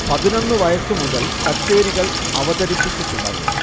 പതിനൊന്ന് വയസ്സു മുതൽ കച്ചേരികൾ അവതരിപ്പിച്ചു തുടങ്ങി